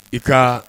I ka